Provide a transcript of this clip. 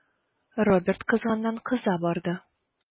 Роберт кызганнан-кыза барды.